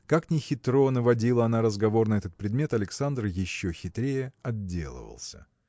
Как ни хитро наводила она разговор на этот предмет Александр еще хитрее отделывался.